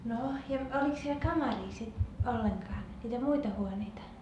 no ja oliko siellä kamaria sitten ollenkaan niitä muita huoneita